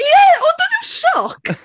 Ie! Oedd hwnna'n sioc?